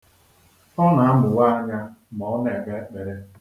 Ọ na-amụghe anya ma ọ na-ekpe ekpere.